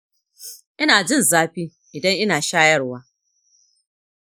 inajin zafi idan ina shayarwa